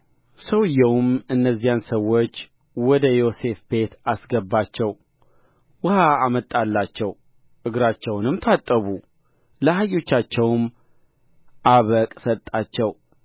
ሰውዮውም እነዚያን ስዎች ወደ ዮሴፍ ቤት አስገባቸው ውኃ አመጣላቸው እግራቸውንም ታጠቡ ለአህዮቻቸው አበቅ ሰጣቸው